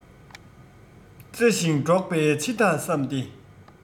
བརྩེ ཞིང འགྲོགས པའི ཕྱི ཐག བསམ སྟེ